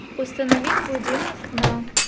установить будильник на